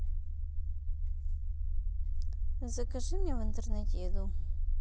закажи мне в интернете еду